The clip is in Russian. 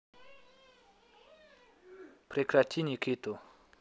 прекрати никиту